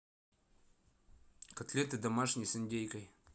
котлеты домашние с индейкой